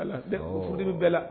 Ala tɛuru bɛɛ la